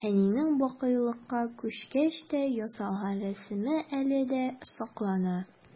Әнинең бакыйлыкка күчкәч тә ясалган рәсеме әле дә саклана.